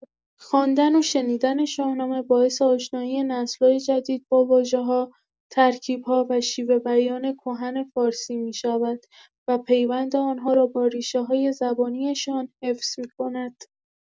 خواندن و شنیدن شاهنامه باعث آشنایی نسل‌های جدید با واژه‌ها، ترکیب‌ها و شیوه بیان کهن فارسی می‌شود و پیوند آن‌ها را با ریشه‌های زبانی‌شان حفظ می‌کند.